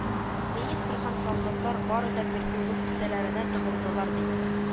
Министр һәм солдатлар бары да берьюлы кесәләренә тыгылдылар, ди